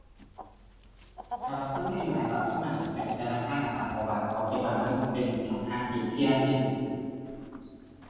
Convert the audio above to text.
สำหรับคนมีอายุหลายก็ส่วนมากก็สิไปที่ธนาคารล่ะครับ เพราะว่าเขาคิดว่ามันเป็นช่องทางที่เคลียร์ที่สุด